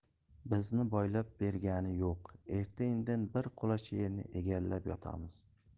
bizni boylab bergani yo'q erta indin bir quloch yerni egallab yotamiz